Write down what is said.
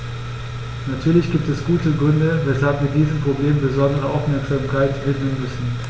Natürlich gibt es gute Gründe, weshalb wir diesem Problem besondere Aufmerksamkeit widmen müssen.